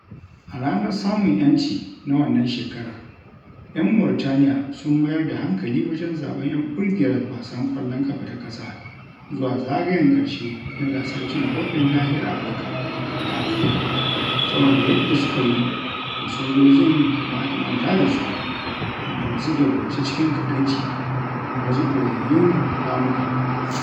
A ranar samun 'yanci na wannan shekarar, 'yan Mauritaniya sun mayar da hankali wajen zaɓen 'yan ƙungiyar wasan ƙwallon ƙafa ta ƙasa zuwa zagayen ƙarshe na gasar cin kofin nahiyar Afirka (CAF) sama da yadda suka yi ga "sojojin da aka manta da su [waɗanda] suke kwance cikin kaɗaici a wasu ɓoyayyun ramuka.